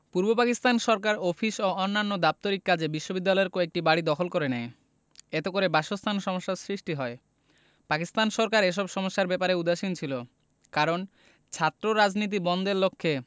পূর্ব পাকিস্তান সরকার অফিস ও অন্যান্য দাপ্তরিক কাজে বিশ্ববিদ্যালয়ের কয়েকটি বাড়ি দখল করে নেয় এতে করে বাসস্থান সমস্যার সৃষ্টি হয় পাকিস্তান সরকার এসব সমস্যার ব্যাপারে উদাসীন ছিল কারণ ছাত্ররাজনীতি বন্ধের লক্ষ্যে